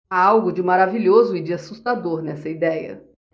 há algo de maravilhoso e de assustador nessa idéia